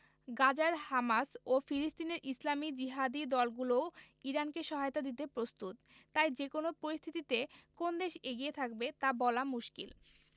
গাজার হামাস ও ফিলিস্তিনের ইসলামি জিহাদি দলগুলোও ইরানকে সহায়তা দিতে প্রস্তুত তাই যেকোনো পরিস্থিতিতে কোন দেশ এগিয়ে থাকবে তা বলা মুশকিল